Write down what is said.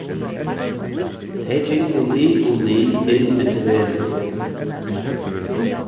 tey gingu lið um lið inn eftir vegnum